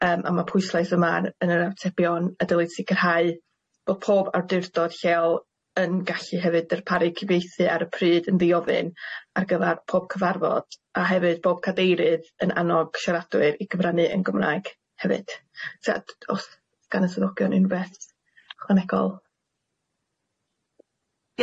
yym a ma' pwyslais yma'n yn yr atebion y dylid sicirhau bo pob awdurdod lleol yn gallu hefyd darparu cyfieithu ar y pryd yn ddi-ofyn ar gyfar pob cyfarfod a hefyd bob cadeirydd yn annog siaradwyr i gyfrannu yn Gymraeg hefyd t'od os gan y swyddogion unr'w beth ychwanegol.